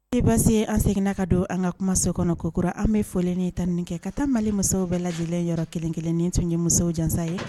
Nin tɛ baasi ye an seginna ka don an ka kuma sokɔnɔ kokura an bɛ folli ni tanuni kɛ ka taa Mali musow bɛɛ lajɛlen yɔrɔ kelenkelen kelenkelen. Nin tun ye musow jansa ye.